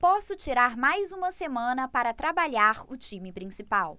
posso tirar mais uma semana para trabalhar o time principal